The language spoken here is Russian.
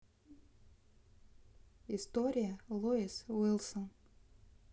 история лоис уилсон